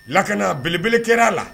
Lakana belebele kɛra la